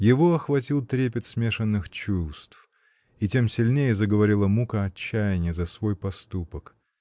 Его охватил трепет смешанных чувств, и тем сильнее заговорила мука отчаяния за свой поступок.